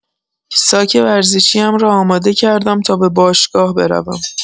ساک ورزشی‌ام را آماده کردم تا به باشگاه بروم.